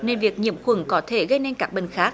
nên việc nhiễm khuẩn có thể gây nên các bệnh khác